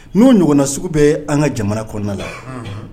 N'u ɲɔgɔnna sugu bɛ an ka jamana kɔnɔna la